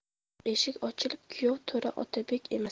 eshik ochilib kuyov to'ra otabek emas